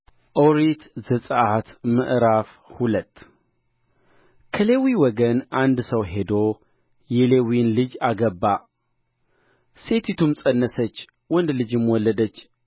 ኦሪት ዘጽአት ምዕራፍ ሁለት ከሌዊ ወገንም አንድ ሰው ሄዶ የሌዊን ልጅ አገባ ሴቲቱም ፀነሰች ወንድ ልጅም ወለደች